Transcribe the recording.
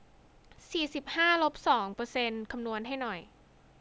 สี่สิบห้าลบสองเปอร์เซนต์คำนวณให้หน่อย